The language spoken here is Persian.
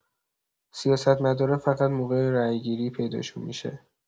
سیاستمدارا فقط موقع رای‌گیری پیداشون می‌شه.